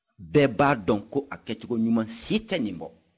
bɛɛ b'a dɔn ko a kɛcogo ɲuman si tɛ nin bɔ